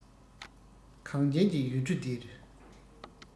གངས ཅན གྱི ཡུལ གྲུ འདིར